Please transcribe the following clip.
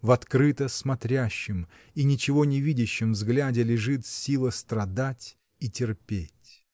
В открыто смотрящем и ничего не видящем взгляде лежит сила страдать и терпеть.